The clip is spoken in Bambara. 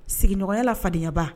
Sigiɲɔgɔnya la fadenya ba